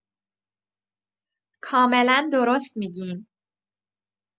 کاملا درست می‌گین.